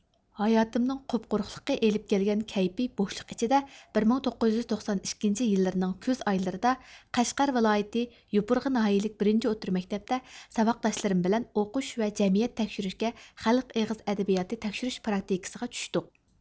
ھاياتىمنىڭ قۇپقۇرۇقلۇقى ئېلىپ كەلگەن كەيپى بوشلۇق ئىچىدە بىر مىڭ توققۇز يۈز توقسەن ئىككىنچى يىللىرىنىڭ كۈز ئايلىرىدا قەشقەر ۋىلايىتى يوپۇرغا ناھىيىلىك بىرىنچى ئوتتۇرا مەكتەپتە ساۋاقداشلىرىم بىلەن ئوقۇش ۋە جەمئىيەت تەكشۈرۈشكە خەلق ئېغىز ئەدەبىياتى تەكشۈرۈش پراكتىكىسىغا چۈشتۇق